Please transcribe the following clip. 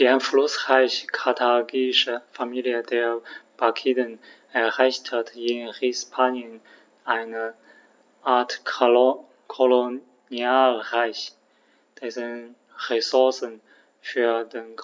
Die einflussreiche karthagische Familie der Barkiden errichtete in Hispanien eine Art Kolonialreich, dessen Ressourcen für den